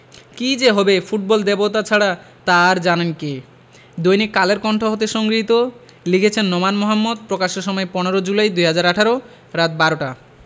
কী যে হবে ফুটবল দেবতা ছাড়া তা আর জানেন কে দৈনিক কালের কন্ঠ হতে সংগৃহীত লিখেছেন নোমান মোহাম্মদ প্রকাশের সময় ১৫ জুলাই ২০১৮ রাত ১২ টা